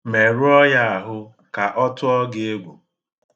Merụọ ya ahụ ka ọ tụọ gị egwu.